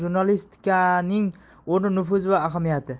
jurnalistikaning o'rni nufuzi va ahamiyati